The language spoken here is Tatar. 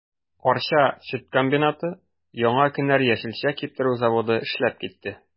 Арча сөт комбинаты, Яңа кенәр яшелчә киптерү заводы эшләп китте.